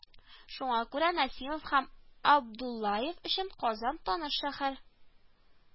Шуңа күрә Нәсимов һәм Аб дуллаев өчен Казан таныш шәһәр